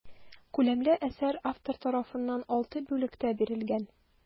Күләмле әсәр автор тарафыннан алты бүлектә бирелгән.